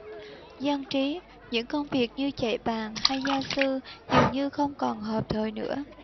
dân trí những công việc như chạy bàn hay gia sư dường như không còn hợp thời nữa